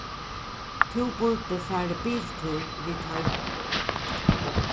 tú burdi farið biltúr við teimum